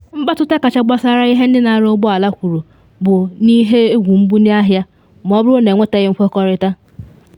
Mkpatụta kacha gbasara ihe ndị na-arụ ụgbọ ala kwuru bụ n’ihe egwu mbunye ahịa ma ọ bụrụ na enwetaghị nkwekọrịta.